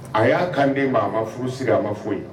A y'a kanden maa a ma furu sigi a ma foyi